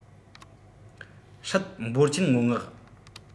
སྲིད འབོར ཆེན སྔོན མངག